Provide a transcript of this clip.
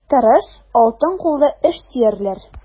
Тырыш, алтын куллы эшсөярләр.